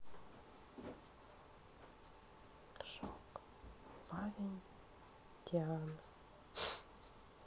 шок парень дианы